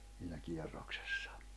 siinä kierroksessa